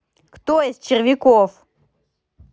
кто ест червяков